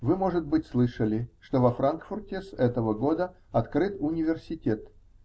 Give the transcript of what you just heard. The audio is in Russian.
Вы, может быть, слышали, что во Франкфурте с этого года открыт университет